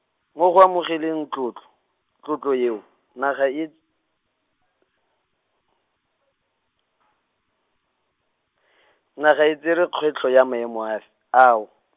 mo go amogeleng tlotlo, tlotlo eo, naga e ts-, naga e tsere kgwetlho ya maemo a f- ao.